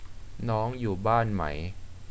น้องอยู่บ้านไหม